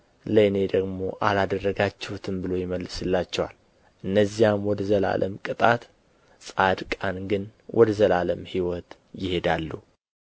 ለእኔ ደግሞ አላደረጋችሁትም ብሎ ይመልስላቸዋል እነዚያም ወደ ዘላለም ቅጣት ጻድቃን ግን ወደ ዘላለም ሕይወት ይሄዳሉ